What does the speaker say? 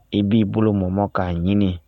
I b'i bolo mɔmɔ k'a ɲini